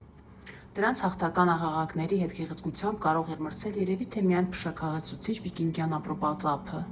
Դրանց հաղթական աղաղակների հետ գեղեցկությամբ կարող էր մրցել երևի թե միայն փշաքաղեցուցիչ վիկինգյան ամպրոպածափը։